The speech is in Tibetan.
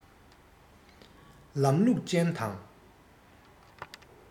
ལམ ལུགས ཅན དང